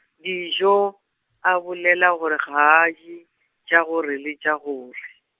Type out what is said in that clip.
Dijo, a bolela gore ga a je, tša gore le tša gore.